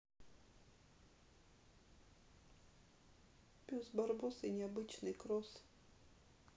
пес барбос и необычайный кросс